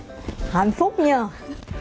hạnh phúc nhở